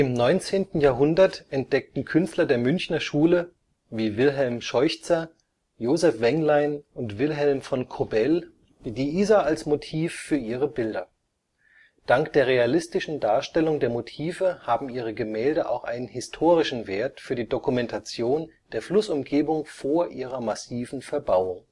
19. Jahrhundert entdeckten Künstler der Münchner Schule – wie Wilhelm Scheuchzer, Joseph Wenglein und Wilhelm von Kobell – die Isar als Motiv für ihre Bilder. Dank der realistischen Darstellung der Motive haben ihre Gemälde auch einen historischen Wert für die Dokumentation der Flussumgebung vor ihrer massiven Verbauung